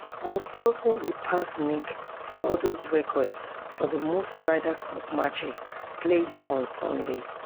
Mickelson will pass Nick Faldo's record for the most Ryder Cup matches played on Sunday.